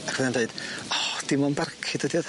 Ac fyddai'n deud o dim ond barcud ydi o?